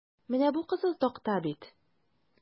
Менә бу кызыл такта бит?